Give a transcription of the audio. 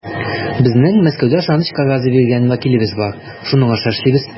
Безнең Мәскәүдә ышаныч кәгазе биргән вәкилебез бар, шуның аша эшлибез.